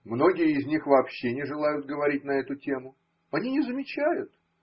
Многие из них вообще не желают говорить на эту тему. Они не замечают.